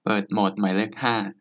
เปิดโหมดหมายเลขห้า